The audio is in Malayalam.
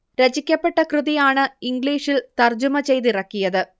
രചിക്കപ്പെട്ട കൃതി ആണ് ഇംഗ്ലീഷിൽ തർജ്ജുമ ചെയ്തിറക്കിയത്